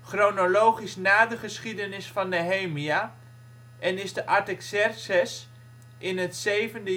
chronologisch na de geschiedenis van Nehemia, en is de Artaxerxes, in het zevende